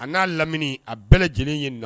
A n'a lamini a bɛɛ lajɛlen ye na